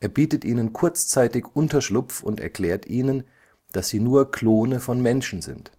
bietet ihnen kurzzeitig Unterschlupf und erklärt ihnen, dass sie nur Klone von Menschen sind